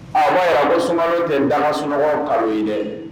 Ayiwa ko sun tɛ dala sunɔgɔ kalo ye dɛ